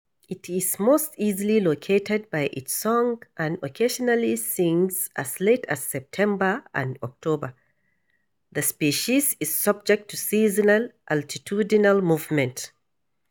It is most easily located by its song and occasionally sings as late as September and October. The species is subject to seasonal altitudinal movements.